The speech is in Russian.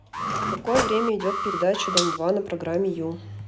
в какое время идет передача дом два на программе ю